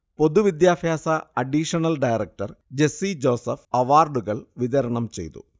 പൊതുവിദ്യാഭ്യാസ additional director Jessy Joseph അവാർഡുകൾ വിതരണം ചെയ്തു